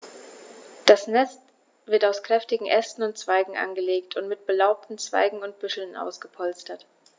Das Nest wird aus kräftigen Ästen und Zweigen angelegt und mit belaubten Zweigen und Büscheln ausgepolstert.